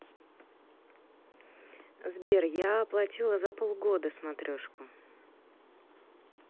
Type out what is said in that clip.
сбер я оплатила за полгода смотрешку